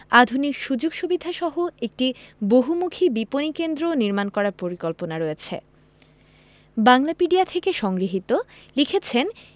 আধুনিক সুযোগ সুবিধাসহ একটি বহুমুখী বিপণি কেন্দ্রও নির্মাণ করার পরিকল্পনা রয়েছে বাংলাপিডিয়া থেকে সংগৃহীত লিখেছেনঃ